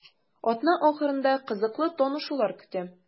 Атна ахырында кызыклы танышулар көтә.